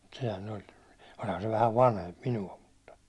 mutta sehän oli olihan se vähän vanhempi minua mutta